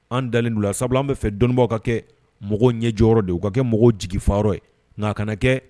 An dalen la sabula an bɛ fɛ dɔnnibaww ka kɛ mɔgɔw ɲɛ jɔyɔrɔ de u ka kɛ mɔgɔw jigifa ye nka a kana kɛ